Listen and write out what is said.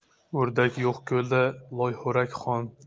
o'rdak yo'q ko'lda loyxo'rak xon